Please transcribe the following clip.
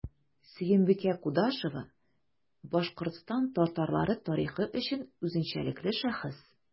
Сөембикә Кудашева – Башкортстан татарлары тарихы өчен үзенчәлекле шәхес.